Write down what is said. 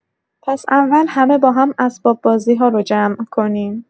پس اول همه با هم اسباب‌بازی‌ها رو جمع کنیم.